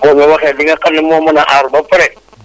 boo ma waxee li nga xam ne moo mën a aar ba pare